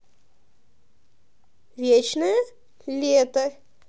вечное лето